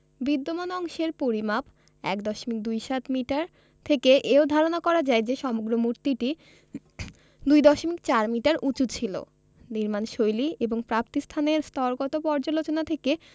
বিদ্যমান অংশের পরিমাপ ১ দশমিক দুই সাত মিটার থেকে এও ধারণা করা যায় যে সমগ্র মূর্তিটি ২ দশমিক ৪ মিটার উঁচু ছিল নির্মাণশৈলী এবং প্রাপ্তিস্থানের স্তরগত পর্যালোচনা থেকে